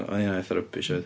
Oedd heina'n eitha rybish oedd?